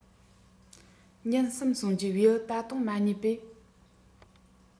ཉིན གསུམ སོང རྗེས བེའུ ད དུང མ རྙེད པས